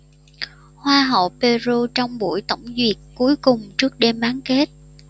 hoa hậu peru trong buổi tổng duyệt cuối cùng trước đêm bán kết